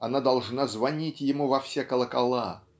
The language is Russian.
она должна звонить ему во все колокола